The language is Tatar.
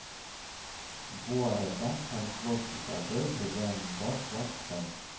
Бу арада фольклор китабы белән баш ваттым